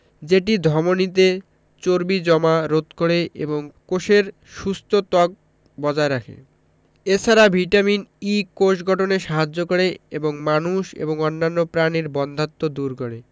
যেটি ধমনিতে চর্বি জমা রোধ করে এবং কোষের সুস্থ ত্বক বজায় রাখে এ ছাড়া ভিটামিন ই কোষ গঠনে সাহায্য করে এবং মানুষ এবং অন্যান্য প্রাণীর বন্ধ্যাত্ব দূর করে